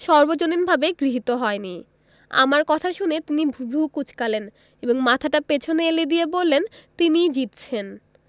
সর্বজনীনভাবে গৃহীত হয়নি আমার কথা শুনে তিনি ভ্রু কুঁচকালেন এবং মাথাটা পেছন এলিয়ে দিয়ে বললেন তিনিই জিতছেন